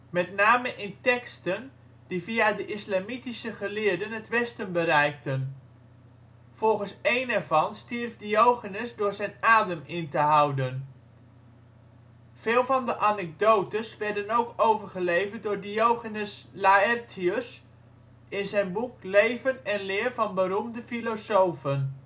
met name in teksten die via de islamitische geleerden het westen bereikten. Volgens een ervan stierf Diogenes door zijn adem in te houden. Veel van de anekdotes werden ook overgeleverd door Diogenes Laërtius in zijn boek Leven en leer van beroemde filosofen